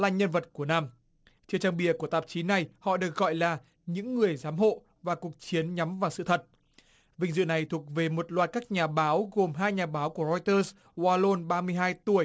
là nhân vật của năm trên trang bìa của tạp chí này họ được gọi là những người giám hộ và cuộc chiến nhắm vào sự thật vinh dự này thuộc về một loạt các nhà báo gồm hai nhà báo của roi tơ goa lôn ba mươi hai tuổi